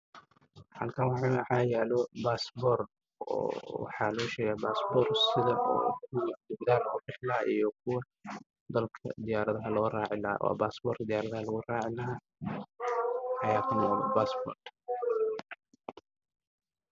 Halkaan waxaa yaalo baasaboor iyo ticket diyaaradaha lagu raaco